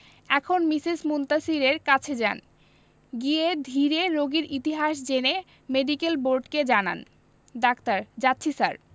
এখন মিসেস মুনতাসীরের কাছে যান গিয়ে ধীরে রোগীর ইতিহাস জেনে মেডিকেল বোর্ডকে জানান ডাক্তার যাচ্ছি স্যার